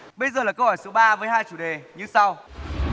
bây giờ là câu hỏi số ba với hai chủ đề như sau